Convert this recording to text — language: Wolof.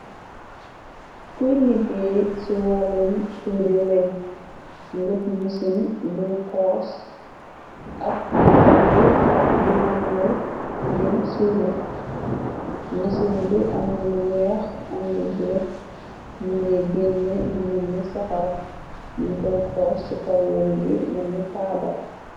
Kuy liggéey ci wàllum suude weñ ngob masin bui xoos ak di dagga ak di xemale li suude masin bi amnalu weex am lu bulu mongi genne lu menni safara mung koy xoos ci kaw weñ bi melni taabal.